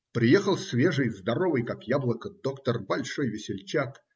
Приехал свежий, здоровый, как яблоко, доктор, большой весельчак.